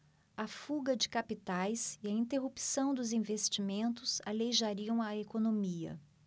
a fuga de capitais e a interrupção dos investimentos aleijariam a economia